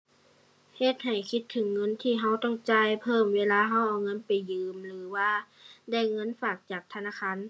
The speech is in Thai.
เฮ็ดให้คิดถึงเงินที่เราต้องจ่ายเพิ่ม เวลาเราเอาเงินไปยืมหรือว่าได้เงินฝากจากธนาคาร